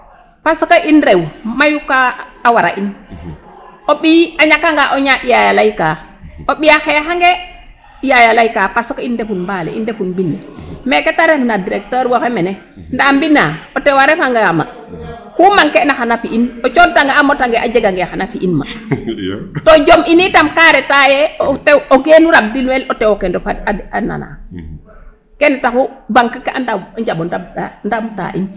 Parce que in rew mayu ka a wara in o ɓiy a ñakanga o ñaaƭ yaay a layka, o ɓiy a xeexange Yaay a layka. Parce i ndefu mbaa le i ndefu mbind ne me ta refna directeur wo xey mene ndaa mbind na o tew a refanga ma ku manquer na xan a fi'in o cooxtanga a motangee a jegangee xana fi'in ma to jom in itam ka reta yee o tew o geenu rabdinwa tew o kendof a nana kene taxu banque ke njaɓo ndawnaa ndabda in.